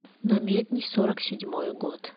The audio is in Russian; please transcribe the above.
намедни сорок седьмой год